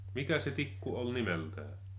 mikäs se tikku oli nimeltään